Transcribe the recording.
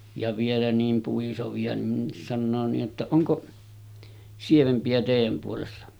ja vielä niin puisevia niin sanoo niin että onko sievempiä teidän puolessa